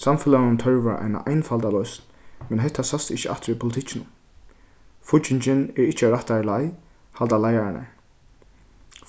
samfelagnum tørvar eina einfalda loysn men hetta sæst ikki aftur í politikkinum fíggingin er ikki á rættari leið halda leiðararnar